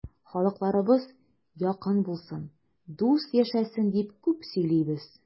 Халыкларыбыз якын булсын, дус яшәсен дип күп сөйлибез.